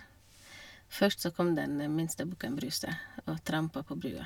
Først så kom den minste bukken Bruse og trampa på brua.